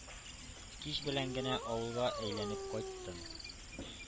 Кич белән генә авылга әйләнеп кайттым.